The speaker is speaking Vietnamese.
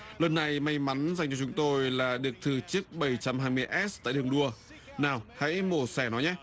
lần này may mắn dành cho chúng tôi là được thử chiếc bảy trăm hai mươi ét tại đường đua nào hãy mổ xẻ nó nhé